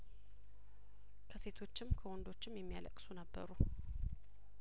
ከሴቶችም ከወንዶችም የሚያለቅሱ ነበሩ